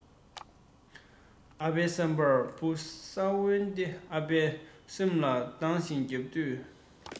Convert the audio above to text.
ཨ ཕའི བསམ པར བུ ས འོན ཏེ ཨ ཕའི སེམས ལ གདང ཞིག བརྒྱབ དུས